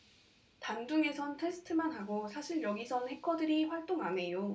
단둥에선 테스트만 하고 사실 여기선 해커들이 활동 안 해요